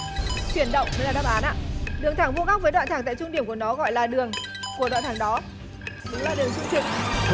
chuyển động mới là đáp án ạ đường thẳng vuông góc với đoạn thẳng tại trung điểm của nó gọi là đường của đoạn thẳng đó đúng là đường trung trực